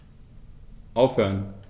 Aufhören.